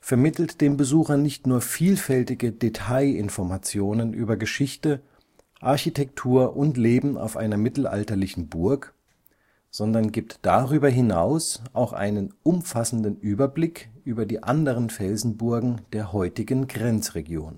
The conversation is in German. vermittelt dem Besucher nicht nur vielfältige Detailinformationen über Geschichte, Architektur und Leben auf einer mittelalterlichen Burg, sondern gibt darüber hinaus auch einen umfassenden Überblick über die anderen Felsenburgen der heutigen Grenzregion